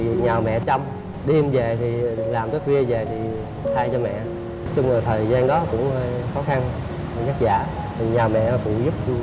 thì nhờ mẹ chăm đêm về thì làm tới khuya về thì thay cho mẹ nói chung là thời gian đó cũng khó khăn dất dả thì nhờ mẹ phụ giúp